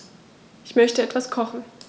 Ich möchte etwas kochen.